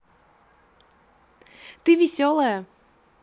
ты веселая